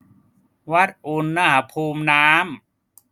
วัดอุณหภูมิน้ำ